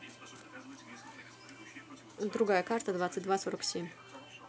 другая карта двадцать два сорок семь